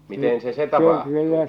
miten se se tapahtuu